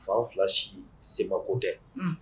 Fan fila si sebako tɛ